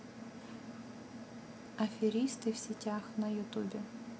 аферисты в сетях на ютубе